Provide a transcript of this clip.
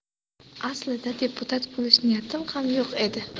aslida deputat bo'lish niyatim ham yo'q edi